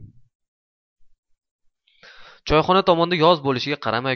choyxona tomonda yoz bo'lishiga qaramay